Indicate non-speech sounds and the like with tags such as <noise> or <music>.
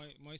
<hesitation> <hesitation>